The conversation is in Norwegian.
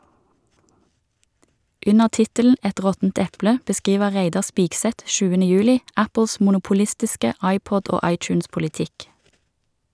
Under tittelen "Et råttent eple" beskriver Reidar Spigseth 7. juli Apples monopolistiske iPod- og iTunes-politikk.